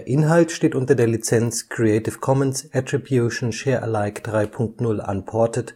Inhalt steht unter der Lizenz Creative Commons Attribution Share Alike 3 Punkt 0 Unported